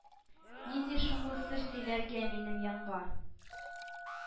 Нинди шомлы сер сөйләргә минем янга?